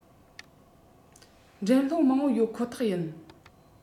འགྲན སློང མང པོ ཡོད ཁོ ཐག ཡིན